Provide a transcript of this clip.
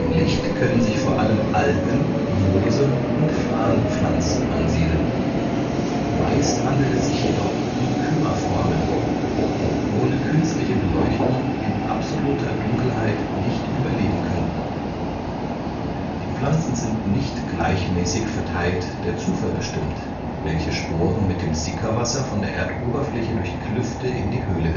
Licht können sich vor allem Algen, Moose und Farnpflanzen ansiedeln. Meist handelt es sich jedoch um Kümmerformen, die ohne künstliche Beleuchtung in absoluter Dunkelheit nicht überleben könnten. Die Pflanzen sind nicht gleichmäßig verteilt, der Zufall bestimmt, welche Sporen mit dem Sickerwasser von der Erdoberfläche durch Klüfte in die Höhle